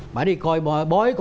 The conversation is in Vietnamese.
bả đi coi bói coi